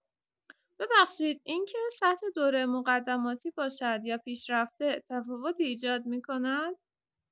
ببخشید، این‌که سطح دوره مقدماتی باشد یا پیشرفته، تفاوتی ایجاد می‌کند؟